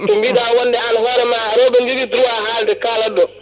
to mbiɗa wonde an hoorema rewɓe ne joogui droit haalde kalat ɗo